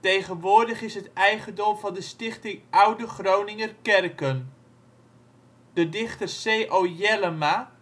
Tegenwoordig is het eigendom van de Stichting Oude Groninger Kerken. De dichter C.O. Jellema